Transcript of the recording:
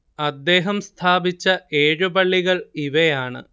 അദ്ദേഹം സ്ഥാപിച്ച ഏഴു പള്ളികൾ ഇവയാണ്